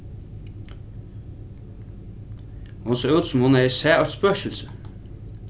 hon sá út sum hevði hon sæð eitt spøkilsi